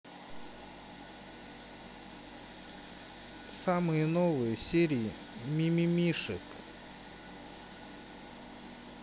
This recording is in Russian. самые новые серии мимимишек